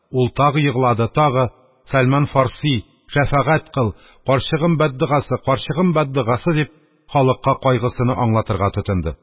Ул тагы еглады, тагы: – сәлман фарси, шәфәгать кыл! карчыгым бәддогасы, карчыгым бәддогасы!.. – дип, халыкка кайгысыны аңлатырга тотынды.